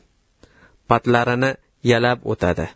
qanotlarini yalab o'tadi